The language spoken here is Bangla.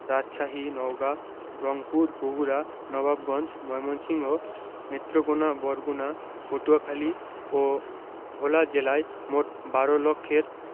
রাজশাহী নওগাঁ রংপুর বগুড়া নবাবগঞ্জ ময়মনসিংহ নেত্রকোনা বরগুনা পটুয়াখালী ও ভোলা জেলায় মোট ১২ লক্ষের